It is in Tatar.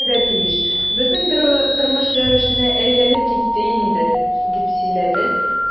Бу гадәти эш, безнең тормыш рәвешенә әйләнеп китте инде, - дип сөйләде